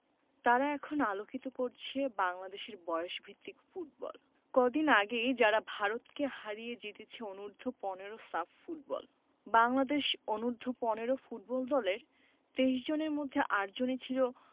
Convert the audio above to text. তারা এখন আলোকিত করছে বাংলাদেশের বয়সভিত্তিক ফুটবল কদিন আগেই যারা ভারতকে হারিয়ে জিতেছে অনূর্ধ্ব ১৫ সাফ ফুটবল বাংলাদেশ অনূর্ধ্ব ১৫ ফুটবল দলের ২৩ জনের মধ্যে ৮ জনই ছিল